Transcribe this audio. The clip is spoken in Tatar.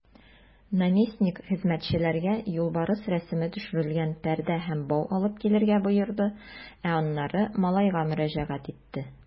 Наместник хезмәтчеләргә юлбарыс рәсеме төшерелгән пәрдә һәм бау алып килергә боерды, ә аннары малайга мөрәҗәгать итте.